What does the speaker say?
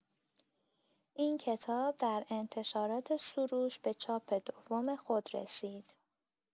این کتاب در انتشارات سروش به چاپ دوم خود رسید.